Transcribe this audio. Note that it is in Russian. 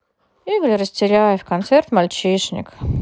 игорь растеряев концерт мальчишник